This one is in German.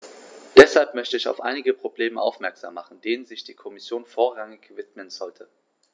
Deshalb möchte ich auf einige Probleme aufmerksam machen, denen sich die Kommission vorrangig widmen sollte.